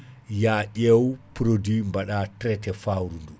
ya ƴew produit baɗa traité fawru ndu